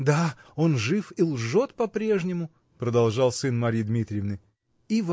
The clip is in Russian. -- Да, он жив и лжет по-прежнему, -- продолжал сын Марьи Дмитриевны, -- и.